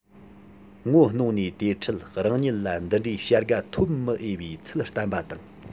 ངོ གནོང ནས དེ འཕྲལ རང ཉིད ལ འདི འདྲའི བྱ དགའ ཐོབ མི འོས པའི ཚུལ བསྟན པ དང